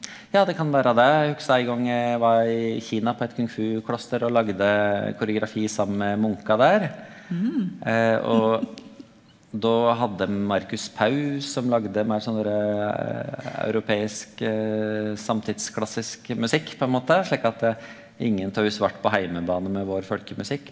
ja det kan vera det, eg hugsar ein gong eg var i Kina på eit kung fu-kloster og laga koreografi saman med munkar der, og då hadde Marcus Paus som laga meir sånn derre europeisk samtidsklassisk musikk, på ein måte, slik at ingen av oss vart på heimebane med vår folkemusikk.